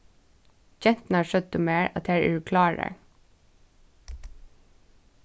genturnar søgdu mær at tær eru klárar